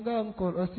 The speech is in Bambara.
N'an n kɔrɔ